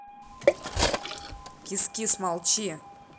кис кис молчи